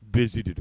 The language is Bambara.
Bezi de don.